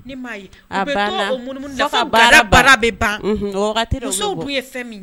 Ni bɛ ban ye fɛn min